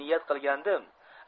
niyat qilgandim